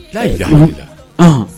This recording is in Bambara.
Mamudu